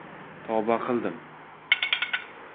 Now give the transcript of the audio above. tavba qildim